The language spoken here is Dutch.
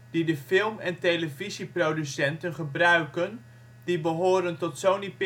die de film - en televisieproducenten gebruiken die behoren tot Sony